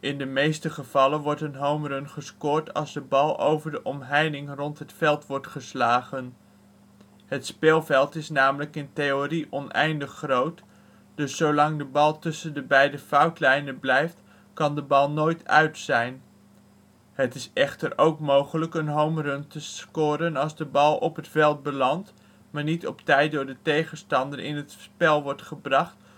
de meeste gevallen wordt een homerun gescoord als de bal over de omheining rond het veld wordt geslagen. Het speelveld is namelijk in theorie oneindig groot, dus zolang de bal tussen de beide foutlijnen blijft, kan de bal nooit ' uit ' zijn. Het is echter ook mogelijk een homerun te scoren als de bal op het veld belandt, maar niet op tijd door de tegenstander in het spel wordt gebracht